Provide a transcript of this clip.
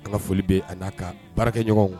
An ka foli bɛ a n'a ka baarakɛ ɲɔgɔnw